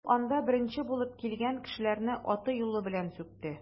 Ул анда беренче булып килгән кешеләрне аты-юлы белән сүкте.